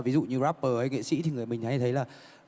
ví dụ như roáp pờ hay nghệ sĩ thì mình hay thấy là